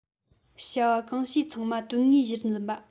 བྱ བ གང བྱེད ཚང མ དོན དངོས གཞིར འཛིན པ